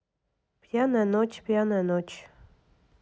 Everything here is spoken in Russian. пьяная ночь пьяная ночь